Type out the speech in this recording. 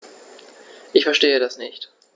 Ich verstehe das nicht.